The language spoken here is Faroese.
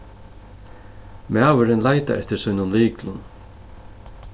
maðurin leitar eftir sínum lyklum